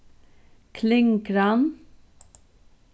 klingran